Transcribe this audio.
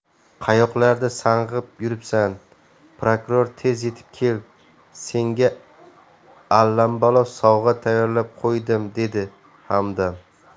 qayoqlarda sanqib yuribsan prokuror tez yetib kel senga allambalo sovg'a tayyorlab qo'ydim dedi hamdam